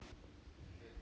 ночной музей